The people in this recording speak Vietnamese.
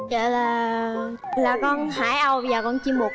dạ là là con hải âu với cả con chim bồ